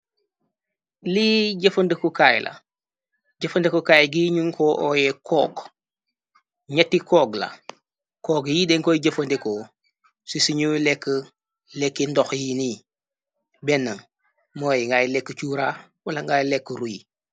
Lii jëfandëku kaay la jëfandeku kaay gi ñu ko ooye koog gñetti koog la koog yi denkoy jëfandekoo si ci ñu lekk lekki ndox yi ni benn mooyi ngaay lekk cuura wala ngay lekk ruy.